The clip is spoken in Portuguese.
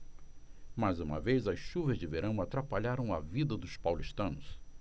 mais uma vez as chuvas de verão atrapalharam a vida dos paulistanos